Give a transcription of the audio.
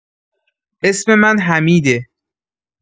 اسم من حمیده.